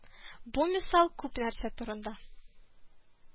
Бу мисал күп нәрсә турында